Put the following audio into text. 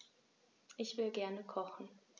Ich will gerne kochen.